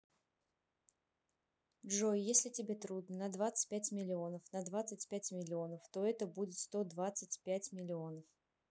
джой если тебе трудно на двадцать пять миллионов на двадцать пять миллионов то это будет сто двадцать пять миллионов